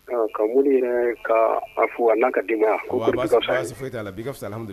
Ka wuli ka a fo a n'a ka di la ka